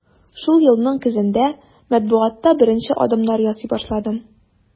Шул елның көзендә матбугатта беренче адымнар ясый башладым.